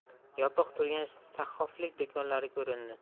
yopiq turgan sahhoflik do'konlari ko'rindi